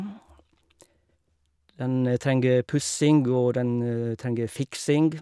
Den trenger pussing, og den trenger fiksing.